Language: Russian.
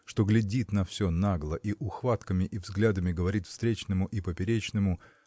что глядит на все нагло и ухватками и взглядами говорит встречному и поперечному